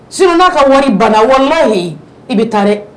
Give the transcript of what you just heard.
S' ka wari bannada wale ye i bɛ taa dɛ